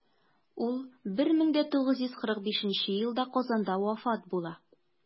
Ул 1945 елда Казанда вафат була.